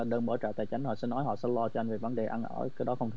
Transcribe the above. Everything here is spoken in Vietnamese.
đơn bảo trợ tài chính họ sẽ họ sẽ lo cho anh về vấn đề ăn ở cái đó không